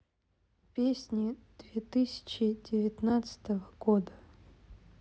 песни две тысячи девятнадцатого года